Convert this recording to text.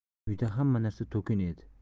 uyda hamma narsa to'kin edi